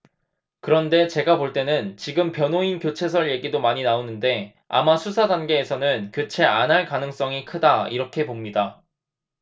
그런데 제가 볼 때는 지금 변호인 교체설 얘기도 많이 나오는데 아마 수사 단계에서는 교체 안 할 가능성이 크다 이렇게 봅니다